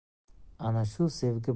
ana shu sevgi